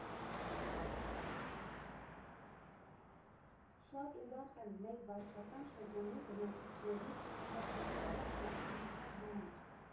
Շատ ուրախ եմ մեր վարչական շրջանի բնակիչների քաղաքացիական ակտիվության համար։